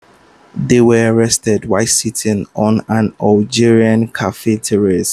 They were arrested while sitting on an Algerian cafe terrace.